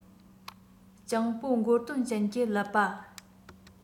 སྤྱང པོ མགོ སྟོང ཅན གྱི ཀླད པ